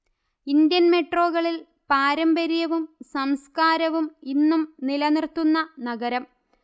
Indian മെട്രോകളിൽ പാരമ്പര്യവും സംസ്കാരവും ഇന്നും നിലനിർത്തുന്ന നഗരം